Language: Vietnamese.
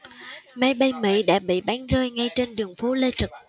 máy bay mỹ đã bị bắn rơi ngay trên đường phố lê trực